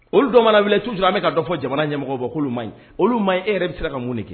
Olu don wele tuur a bɛ ka dɔ fɔ jamana ɲɛmɔgɔ bɔ'olu ma ɲi olu ma e yɛrɛ bɛ siran ka mun kɛ